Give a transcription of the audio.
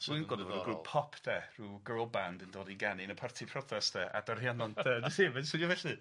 Rwy'n gweld e fel grŵp pop de, ryw girl band yn dod i ganu yn y parti de, adar Rhiannon de, yn swnio felly?